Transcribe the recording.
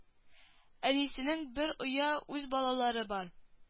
Әнисенең бер оя үз балалары бар